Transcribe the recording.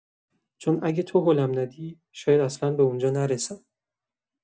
چون اگه تو هلم ندی، شاید اصلا به اونجا نرسم.